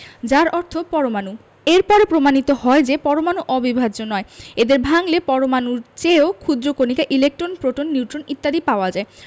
যার অর্থ পরমাণু এর পরে প্রমাণিত হয় যে পরমাণু অবিভাজ্য নয় এদের ভাঙলে পরমাণুর চেয়েও ক্ষুদ্র কণিকা ইলেকট্রন প্রোটন নিউট্রন ইত্যাদি পাওয়া যায়